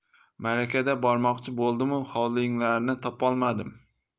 marakada bormoqchi bo'ldimu hovlinglarni topolmadim